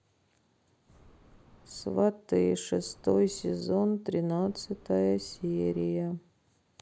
сваты шестой сезон тринадцатая серия